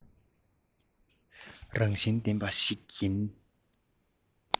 རང བཞིན ལྡན པ ཞིག ཡིན